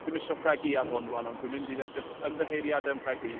Dwi'm isio rhegi ar hwn 'wan, ond dwi'n mynd i ddeud jyst ymddiheiriadau am rhegi.